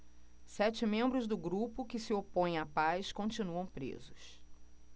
sete membros do grupo que se opõe à paz continuam presos